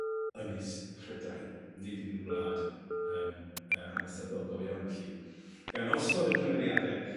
Ynys Prydain. Nid unryw wlad yym yy hanesyddol go iawn felly. Gan osod y cymeriade